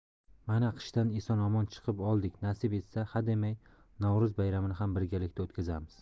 mana qishdan eson omon chiqib oldik nasib etsa hademay navro'z bayramini ham birgalikda o'tkazamiz